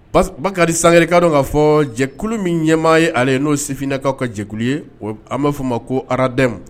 Bakari Sangare i k'a dɔn k'a fɔ jɛkulu min ɲɛmaa ye ale ye n'o sifinnakaw ka jɛkulu ye an b'a fɔ o ma ko aradɛmu